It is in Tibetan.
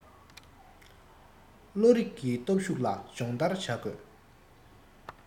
བློ རི གི སྟོབས ཤུགས ལ སྦྱོང བརྡར བྱ དགོས